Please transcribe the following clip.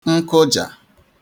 nkụjà